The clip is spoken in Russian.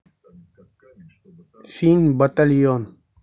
фильм батальон